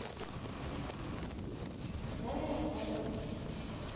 такая работа